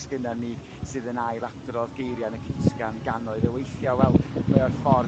sgina ni sydd yn ailadrodd geiria' yn y cutgan ganoedd o weithia' wel mae o'r ffor'